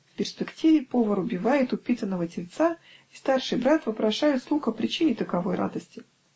в перспективе повар убивает упитанного тельца, и старший брат вопрошает слуг о причине таковой радости.